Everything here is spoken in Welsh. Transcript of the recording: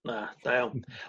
Na. Da iawn.